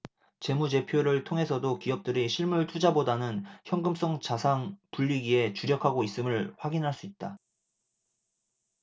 재무제표를 통해서도 기업들이 실물투자보다는 현금성 자산 불리기에 주력하고 있음을 확인할 수 있다